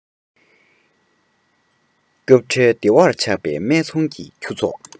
སྐབས འཕྲལ བདེ བར ཆགས པའི སྨད འཚོང གི ཁྱུ ཚོགས